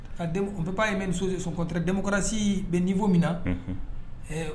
Bɛɛ' ye sonkɔnte dɛkɔrɔrasi bɛ nifo min na ɛɛ